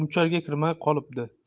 muchalga kirmay qolibdi